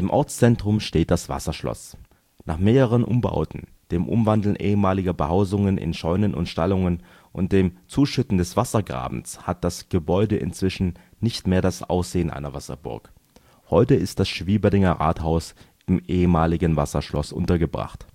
Ortszentrum steht das Wasserschloss. Nach mehreren Umbauten, dem Umwandeln ehemaliger Behausungen in Scheunen und Stallungen und dem Zuschütten des Wassergrabens hat das Gebäude inzwischen nicht mehr das Aussehen einer Wasserburg. Heute ist das Schwieberdinger Rathaus im ehemaligen Wasserschloss untergebracht